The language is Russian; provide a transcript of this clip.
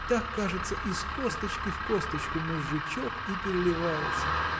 так, кажется, из косточки в косточку мозжечок и переливается.